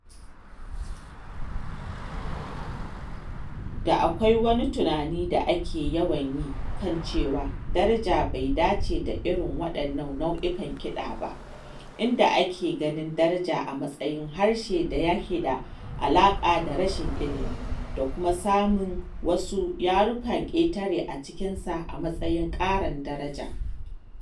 Da akwai wani tunani da ake yawan yi kan cewa Darija bai dace da irin waɗannan nau’ikan kiɗa ba, inda ake ganin Darija a matsayin harshen da ya ke da alaƙa da rashin ilimi, da kuma samun wasu yarukan ƙetare a cikinsa a matsayin ƙarin daraja.